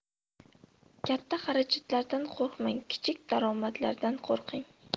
katta xarajatlardan qo'rqmang kichik daromadlardan qo'rqing